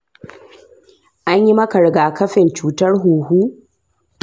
an yi maka rigakafin cutar huhu?